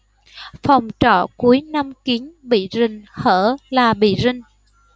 phòng trọ cuối năm kín bị rình hở là bị rinh